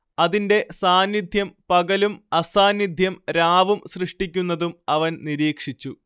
അതിന്റെ സാന്നിദ്ധ്യം പകലും അസാന്നിദ്ധ്യം രാവും സൃഷ്ടിക്കുന്നതും അവൻ നിരീക്ഷിച്ചു